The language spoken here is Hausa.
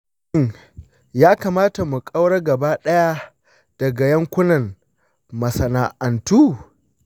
shin ya kamata mu ƙaura gaba ɗaya daga yankunan masana’antu?